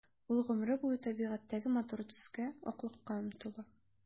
Ул гомере буе табигатьтәге матур төскә— аклыкка омтыла.